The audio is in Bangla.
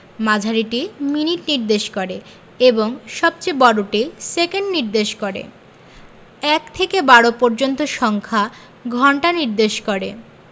মাঝারিটি মিনিট নির্দেশ করে এবং সবচেয়ে বড়টি সেকেন্ড নির্দেশ করে ১ থেকে ১২ পর্যন্ত সংখ্যা ঘন্টা নির্দেশ করে